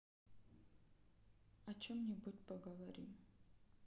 о чем нибудь поговорим